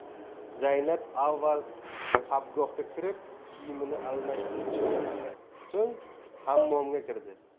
zaynab avval xobgohga kirib kiyimini almashtirib chiqdi so'ng hammomga kirdi